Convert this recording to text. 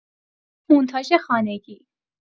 مونتاژ خانگی